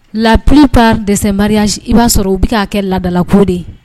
Lap pa de maria i b'a sɔrɔ u bɛ'a kɛ ladalako de